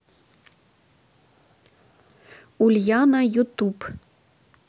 ульяна ютуб